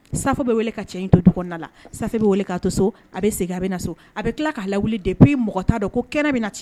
Sa bɛ wele ka cɛ in to du la sa bɛ wele k ka to so a bɛ segin a bɛ na so a bɛ tila k'a la de bi mɔgɔ ta dɔn ko kɛnɛ bɛ na cɛ